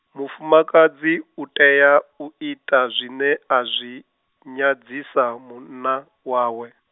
mufumakadzi utea u ita zwine azwi, nyadzisa munna, wawe.